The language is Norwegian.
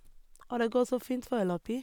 Og det går så fint foreløpig.